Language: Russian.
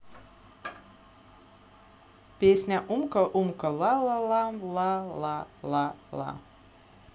песня умка умка лалалалала